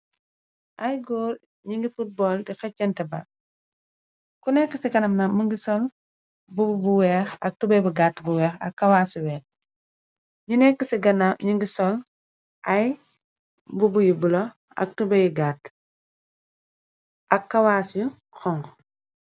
ay gór ñi ngi footbol di xeccente ba ku nekk ci ganam na mi ngi sol bub bu weex ak tube bu gatt bu weex ak kawaasi weet ñi nekk ni ngi sol ay bu bu yu bulo tui ga ak kawaas yu xong